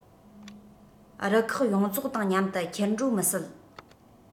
རུ ཁག ཡོངས རྫོགས དང མཉམ དུ འཁྱེར འགྲོ མི སྲིད